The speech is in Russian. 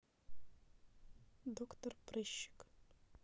доктор прыщик